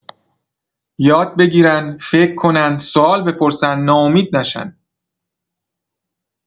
یاد بگیرن فکر کنن، سوال بپرسن، ناامید نشن.